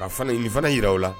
Ka fanali fana jira u la